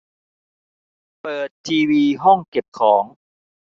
เปิดทีวีห้องเก็บของ